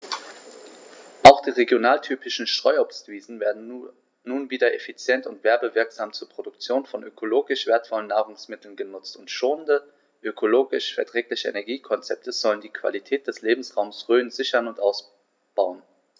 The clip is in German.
Auch die regionaltypischen Streuobstwiesen werden nun wieder effizient und werbewirksam zur Produktion von ökologisch wertvollen Nahrungsmitteln genutzt, und schonende, ökologisch verträgliche Energiekonzepte sollen die Qualität des Lebensraumes Rhön sichern und ausbauen.